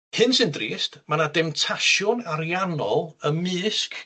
hyn sy'n drist, ma' 'na demtasiwn ariannol ymysg